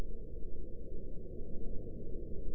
ờ mất trí nhớ tầm bậy